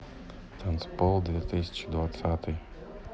танцпол две тысячи двадцатый